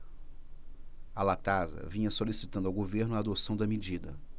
a latasa vinha solicitando ao governo a adoção da medida